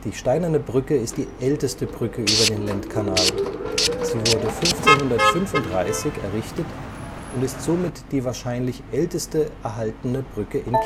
Steinerne Brücke ist die älteste Brücke über den Lendkanal. Sie wurde 1535 errichtet und ist somit die wahrscheinlich älteste erhaltene Brücke in